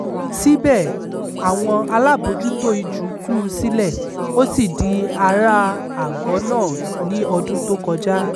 Síbẹ̀, àwọn alábòójútó ijù tú u sílẹ̀, ó sì di aráa àgọ́ náà ní ọdún tó kọjá.